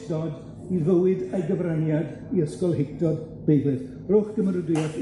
Dodd, 'i fywyd a'i gyfraniad i ysgolheictod beibledd. Rhowch gymeradwyeth i...